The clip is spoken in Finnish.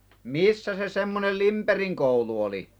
missä se semmoinen Lindbergin koulu oli